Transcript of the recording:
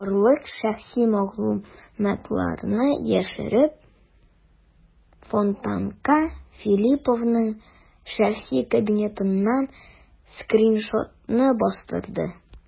Барлык шәхси мәгълүматларны яшереп, "Фонтанка" Филипповның шәхси кабинетыннан скриншотны бастырды.